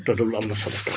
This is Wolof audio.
te loolu am na solo